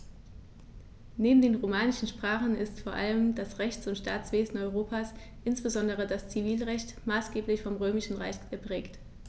Neben den romanischen Sprachen ist vor allem das Rechts- und Staatswesen Europas, insbesondere das Zivilrecht, maßgeblich vom Römischen Recht geprägt.